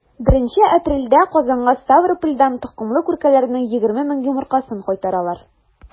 1 апрельдә казанга ставропольдән токымлы күркәләрнең 20 мең йомыркасын кайтаралар.